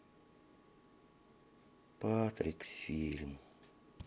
патрик фильм